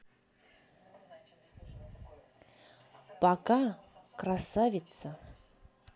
пока красавица